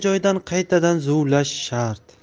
joydan qaytadan zuvlash shart